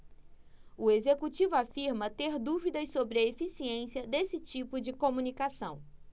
o executivo afirma ter dúvidas sobre a eficiência desse tipo de comunicação